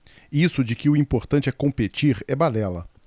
isso de que o importante é competir é balela